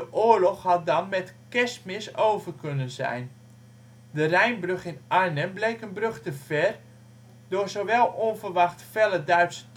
oorlog had dan ' met Kerstmis over kunnen zijn '. De Rijnbrug in Arnhem bleek een brug te ver, door zowel onverwacht felle Duitse